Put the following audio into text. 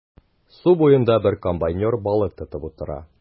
Су буенда бер комбайнер балык тотып утыра.